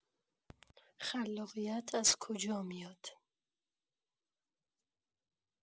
خلاقیت از کجا میاد؟